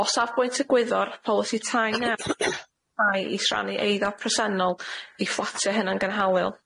O safbwynt egwyddo'r polisi tai i rhannu eiddo presennol i fflatio hynna'n gynhaliol.